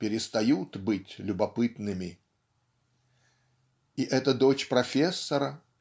перестают быть любопытными" и эта дочь профессора